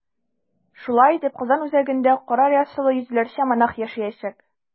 Шулай итеп, Казан үзәгендә кара рясалы йөзләрчә монах яшәячәк.